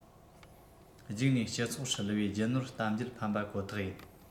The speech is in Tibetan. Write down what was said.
རྒྱུགས ནས སྤྱི ཚོགས ཧྲིལ པོའི རྒྱུ ནོར གཏམ རྒྱུད ཕམ པ ཁོ ཐག ཡིན